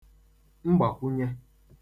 mgbakwụnye